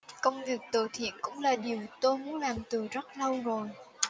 công việc từ thiện cũng là điều tôi muốn làm từ rất lâu rồi